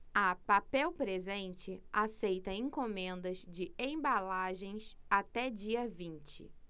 a papel presente aceita encomendas de embalagens até dia vinte